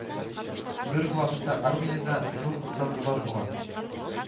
Бер үк вакытта армиядә зур кыскартулар була